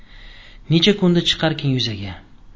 necha kunda chiqarkin yuzaga